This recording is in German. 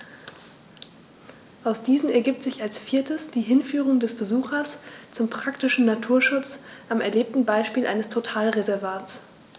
Aus diesen ergibt sich als viertes die Hinführung des Besuchers zum praktischen Naturschutz am erlebten Beispiel eines Totalreservats.